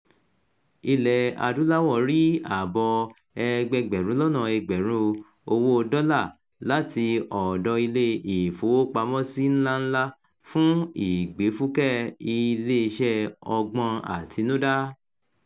Ilẹ̀-Adúláwọ̀ rí àbọ̀ ẹgbẹẹgbẹ̀rún-lọ́nà-ẹgbẹ̀rún owóo dollar láti ọ̀dọ̀ Ilé-ìfowópamọ́sí ńláńlá fún ìgbéfúkẹ́ Iléeṣẹ́ ọgbọ́n àtinudá